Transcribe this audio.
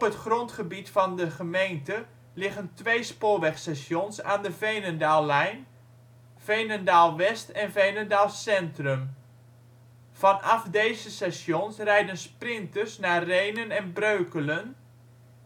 het grondgebied van de gemeente liggen twee spoorwegstations aan de Veenendaallijn, Veenendaal West en Veenendaal Centrum. Vanaf deze stations rijden Sprinters naar Rhenen en Breukelen